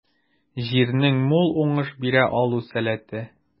Җирнең мул уңыш бирә алу сәләте.